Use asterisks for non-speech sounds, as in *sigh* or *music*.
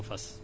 *hesitation* *hesitation*